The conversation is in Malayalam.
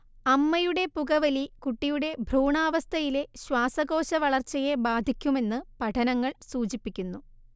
അമ്മയുടെ പുകവലി കുട്ടിയുടെ ഭ്രൂണാവസ്ഥയിലെ ശ്വാസകോശവളർച്ചയെ ബാധിക്കുമെന്ന് പഠനങ്ങൾ സൂചിപ്പിക്കുന്നു